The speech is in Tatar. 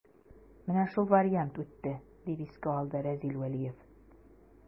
Менә шул вариант үтте, дип искә алды Разил Вәлиев.